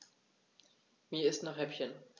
Mir ist nach Häppchen.